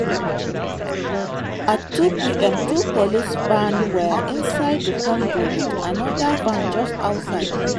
At 2pm two police vans were inside the cordon with another van just outside.